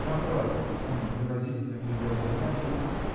Напрасно он выразительно глядел на Наденьку